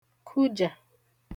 kụjà